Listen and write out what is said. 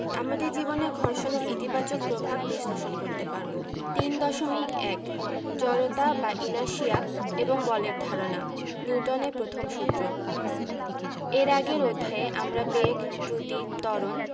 আমাদের জীবনে ঘর্ষণের ইতিবাচক প্রভাব বিশ্লেষণ করতে পারব ৩.১ জড়তা বা ইনারশিয়া এবং বলের ধারণা নিউটনের প্রথম সূত্র এর আগের অধ্যায়ে আমরা বেগ দ্রুতি ত্বরণ